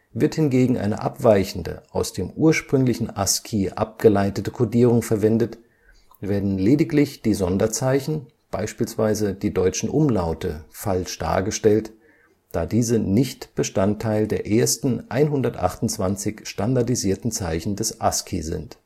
Wird hingegen eine abweichende, aus dem ursprünglichen ASCII abgeleitete Codierung verwendet, werden lediglich die Sonderzeichen – beispielsweise die deutschen Umlaute – falsch dargestellt, da diese nicht Bestandteil der ersten 128 standardisierten Zeichen des ASCII sind